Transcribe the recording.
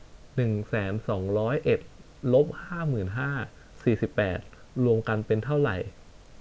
หนึ่งแสนสองร้อยเอ็ดลบห้าหมื่นห้าสี่สิบแปดรวมกันเป็นเท่าไหร่